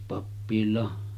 pappilaan